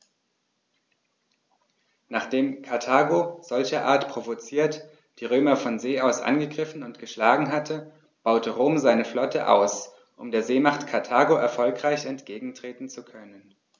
Nachdem Karthago, solcherart provoziert, die Römer von See aus angegriffen und geschlagen hatte, baute Rom seine Flotte aus, um der Seemacht Karthago erfolgreich entgegentreten zu können.